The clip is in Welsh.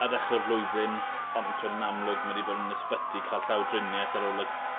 ar ddechre'r flwyddyn ond t'wod yn amlwg ma' 'di bod yn ysbyty ca'l llawdrinieth ar ôl y